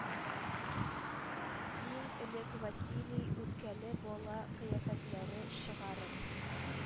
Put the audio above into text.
Иң элек Василий, үпкәле бала кыяфәтләре чыгарып,